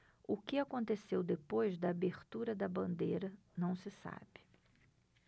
o que aconteceu depois da abertura da bandeira não se sabe